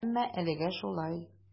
Әмма әлегә шулай.